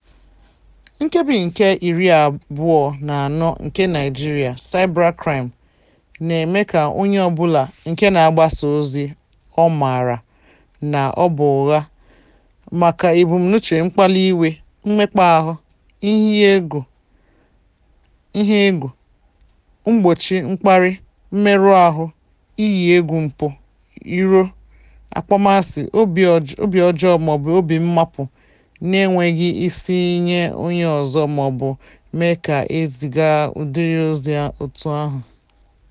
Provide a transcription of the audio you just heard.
Nkebi nke 24 nke Nigeria's Cybercrime Act na-eme ka "onye ọbụla nke na-agbasa ozi ọ maara na ọ bụ ụgha, maka ebumnuche mkpalị iwe, mmekpa ahụ, ihe egwu, mgbochi, mkparị, mmerụ ahụ, iyi egwu mpụ, iro, akpọmasị, obi ọjọọ mọọbụ obi mmapu n'enweghị isi nye onye ọzọ mọọbụ mee ka e ziga ụdịrị ozi dị otú ahụ."